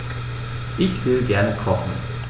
Ich will gerne kochen.